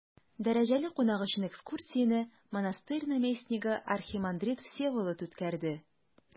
Дәрәҗәле кунак өчен экскурсияне монастырь наместнигы архимандрит Всеволод үткәрде.